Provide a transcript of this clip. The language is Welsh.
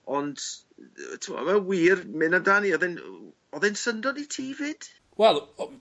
ond ti'mod ma' fe wir myn' amdani o'dd e'n w- o'dd e'n syndod i ti 'fyd? Wel o-